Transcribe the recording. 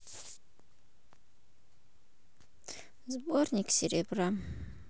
сборник серебра